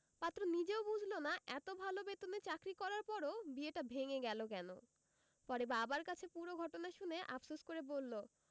পাত্র নিজেও বুঝল না এত ভালো বেতনে চাকরি করার পরও বিয়েটা ভেঙে গেল কেন পরে বাবার কাছে পুরো ঘটনা শুনে আফসোস করে বলল